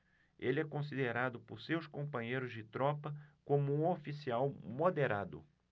ele é considerado por seus companheiros de tropa como um oficial moderado